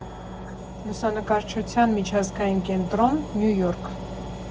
Լուսանկարչության միջազգային կենտրոն, Նյու Յորք։